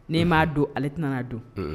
N' m'a don ale tɛna nana don